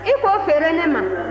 i k'o feere ne ma